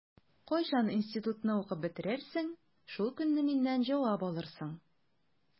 Кайчан институтны укып бетерерсең, шул көнне миннән җавап алырсың.